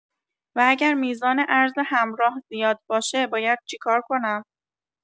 و اگر میزان ارز همراه زیاد باشه باید چی کار کنم؟